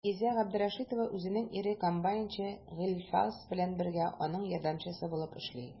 Илгизә Габдрәшитова үзенең ире комбайнчы Гыйльфас белән бергә, аның ярдәмчесе булып эшли.